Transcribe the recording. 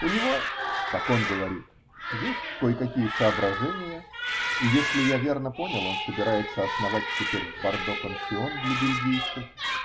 у него -- так он говорит -- есть кое-какие соображения, и, если я верно понял, он собирается основать теперь в Бордо пансион для бельгийцев.